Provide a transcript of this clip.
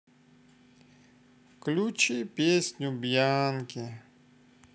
включи песню бьянки